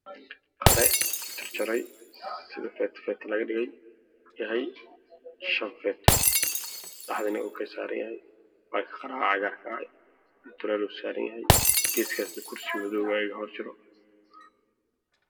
Waa qiro cagaar ah oo la jarjaray hoostiisa waa gaduud waxaa loo jarjaray dhowr nooc qaraha midabkiis waa gaduud